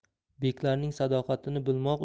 beklarning sadoqatini bilmoq